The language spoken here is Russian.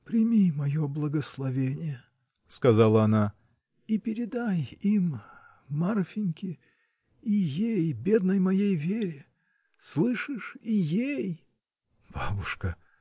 — Прими мое благословение, — сказала она, — и передай им. Марфиньке и. ей, — бедной моей Вере. слышишь, и ей!. — Бабушка!